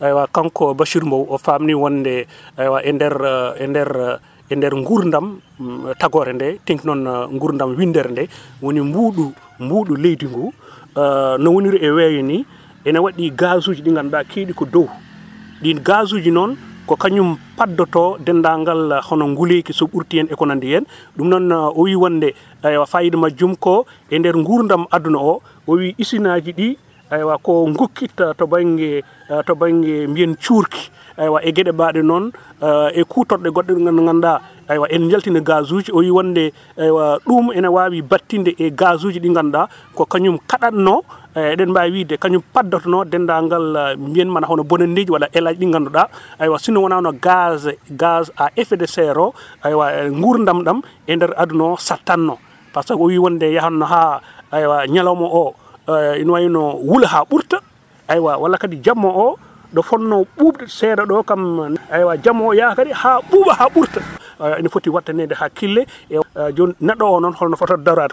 aywa